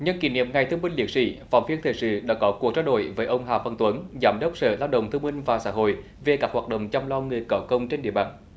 nhân kỷ niệm ngày thương binh liệt sỹ phóng viên thời sự đã có cuộc trao đổi với ông hà văn tuấn giám đốc sở lao động thương binh và xã hội về các hoạt động chăm lo người có công trên địa bàn